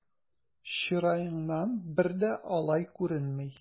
Чыраеңнан бер дә алай күренми!